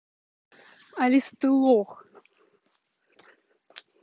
алиса ты лох